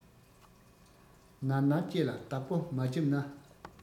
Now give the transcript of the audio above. ནར ནར ལྕེ ལ བདག པོ མ རྒྱབ ན